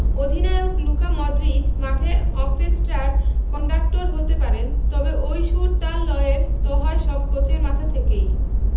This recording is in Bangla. অধিনায়ক লুকা মডরিচ মাঠের অক্রেস্ট্রার কন্ডাক্টর হতে পারেন তবে ওই সুর তাল লয়ের তো হয় সব কোচের মাথা থেকেই